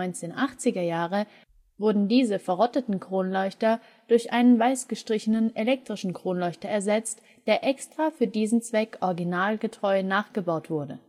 1980er-Jahre wurden die verrotteten Kronleuchter durch einen weißgestrichenen elektrischen Kronleuchter ersetzt, der extra für diesen Zweck originalgetreu nachgebaut wurde